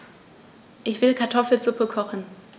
Ich will Kartoffelsuppe kochen.